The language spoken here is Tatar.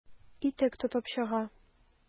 Итек тотып чыга.